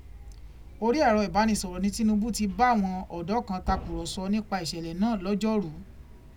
Orí ẹ̀rọ ìbáraẹnisọ̀rọ̀ ni Tínubú ti báwọn ọ̀dọ́ kan takùrọ̀sọ nípa ìṣẹ̀lẹ̀ náà lọ́jọ́rùú.